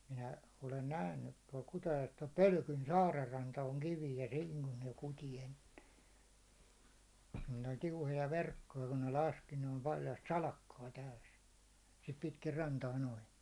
minä olen nähnyt tuolla Kutajoessa tuolla Pölkyn saaren ranta on kivinen ja siinä kun ne kuti ennen ne oli tiuhoja verkkoja kun ne laski ne oli paljasta salakkaa täysi sitä pitkin rantaa noin